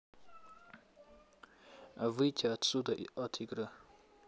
выйти отсюда от игры